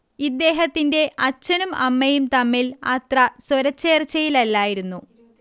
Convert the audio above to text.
ഇദ്ദേഹത്തിന്റെ അച്ഛനും അമ്മയും തമ്മിൽ അത്ര സ്വരചേർച്ചയിലല്ലായിരുന്നു